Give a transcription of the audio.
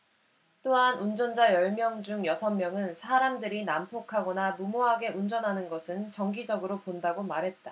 또한 운전자 열 명 중 여섯 명은 사람들이 난폭하거나 무모하게 운전하는 것을 정기적으로 본다고 말했다